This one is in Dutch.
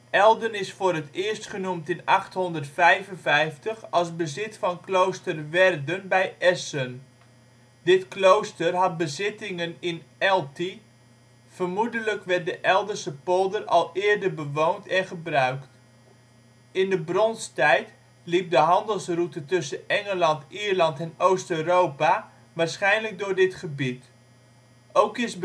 Elden is voor het eerst genoemd in 855 als bezit van klooster Werden bij Essen; dit klooster had bezittingen in Elti (Elden). Vermoedelijk werd de Eldense polder al eerder bewoond en gebruikt. In de Bronstijd liep de handelsroute tussen Engeland/Ierland en Oost-Europa waarschijnlijk door dit gebied. Ook is